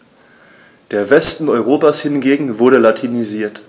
Der Westen Europas hingegen wurde latinisiert.